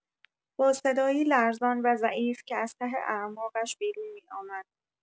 با صدایی لرزان و ضعیف که از ته اعماقش بیرون می‌آمد.